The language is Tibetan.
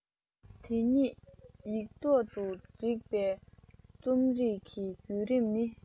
དེ ཉིད ཡིག ཐོག ཏུ བསྒྲིགས པའི རྩོམ རིག གི རྒྱུད རིམ ནི